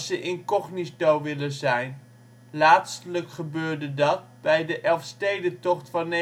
incognito willen zijn. Laatstelijk gebeurde dat bij de Elfstedentocht van 1986